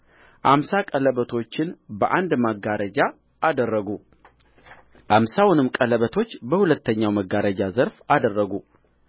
አምሳ ቀለበቶችንችን በአንድ መጋረጃ አደረጉ አምሳውንም ቀለበቶች በሁለተኛው መጋረጃ ዘርፍ አደረጉ